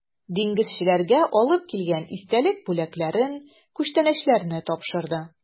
Диңгезчеләргә алып килгән истәлек бүләкләрен, күчтәнәчләрне тапшырды.